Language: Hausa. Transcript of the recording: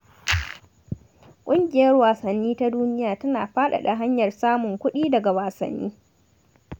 Ƙungiyar wasanni ta duniya tana fadada hanyar samun kuɗi daga wasanni.